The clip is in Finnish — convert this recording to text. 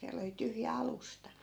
siellä oli tyhjä alusta